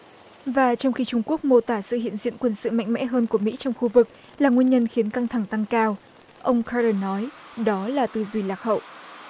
và trong khi trung quốc mô tả sự hiện diện quân sự mạnh mẽ hơn của mỹ trong khu vực là nguyên nhân khiến căng thẳng tăng cao ông ke rừn nói đó là tư duy lạc hậu